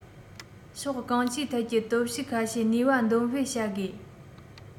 ཕྱོགས གང ཅིའི ཐད ཀྱི སྟོབས ཤུགས ཁ ཤས ནུས པ འདོན སྤེལ བྱ དགོས